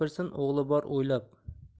gapirsin o'g'li bor o'ylab